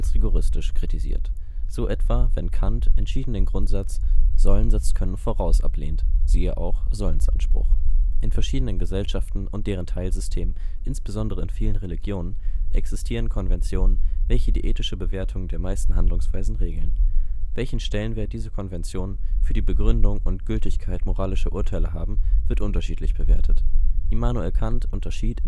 rigoristisch kritisiert. So etwa, wenn Kant entschieden den Grundsatz „ Sollen setzt Können voraus “ablehnt (siehe auch Sollensanspruch). In verschiedenen Gesellschaften und deren Teilsystemen, insbesondere in vielen Religionen, existieren Konventionen, welche die ethische Bewertung der meisten Handlungsweisen regeln. Welchen Stellenwert diese Konventionen für die Begründung und Gültigkeit moralischer Urteile haben, wird unterschiedlich bewertet. Immanuel Kant unterschied